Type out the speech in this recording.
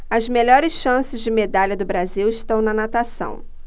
as melhores chances de medalha do brasil estão na natação